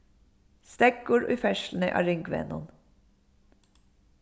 steðgur í ferðsluni á ringvegnum